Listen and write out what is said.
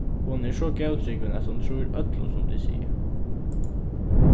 hon er so góðtrúgvin at hon trýr øllum sum tit siga